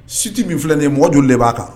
Site min filɛ nin ye mɔgɔ joli de b'a kan?